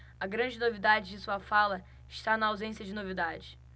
a grande novidade de sua fala está na ausência de novidades